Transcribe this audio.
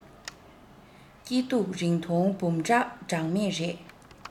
སྐྱིད སྡུག རིང ཐུང སྦོམ ཕྲ གྲངས མེད རེད